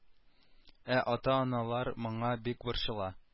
Ә ата-аналар моңа бик борчыла